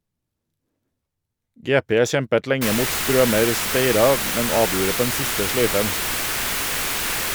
«GP» kjempet lenge mot Strømer Steira, men avgjorde på den siste sløyfen.